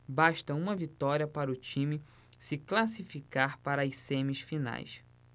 basta uma vitória para o time se classificar para as semifinais